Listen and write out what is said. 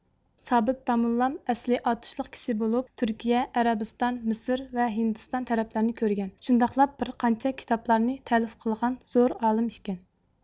سابىت داموللام ئەسلى ئاتۇشلۇق كىشى بولۇپ تۈركىيە ئەرەبىستان مىسىر ۋە ھىندىستان تەرەپلەرنى كۆرگەن شۇنداقلا بىر قانچە كىتابلارنى تەلىف قىلغان زور ئالىم ئىكەن